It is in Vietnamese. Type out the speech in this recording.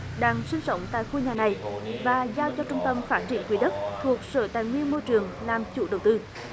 đang sinh sống tại khu nhà này và giao cho trung tâm phát triển quỹ đất thuộc sở tài nguyên môi trường làm chủ đầu tư